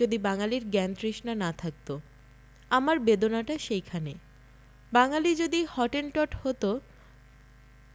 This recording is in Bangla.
যদি বাঙালীর জ্ঞানতৃষ্ণা না থাকত আমার বেদনাটা সেইখানে বাঙালী যদি হটেনটট হত